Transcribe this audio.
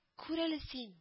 Күр әле син